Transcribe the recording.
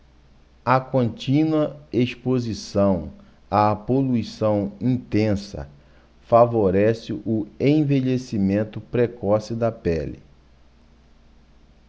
a contínua exposição à poluição intensa favorece o envelhecimento precoce da pele